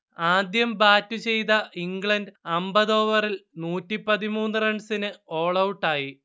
ആദ്യം ബാറ്റ് ചെയ്ത ഇംഗ്ലണ്ട് അമ്പതോവറിൽ നൂറ്റിപ്പതിമൂന്ന് റൺസിന് ഓൾഔട്ടായി